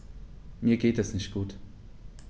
Mir geht es nicht gut.